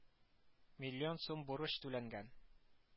Миллион сум бурыч түләнгән